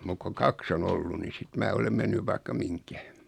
mutta kun kaksi on ollut niin sitten minä olen mennyt vaikka mihin